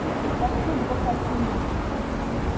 Бәхет баса сине!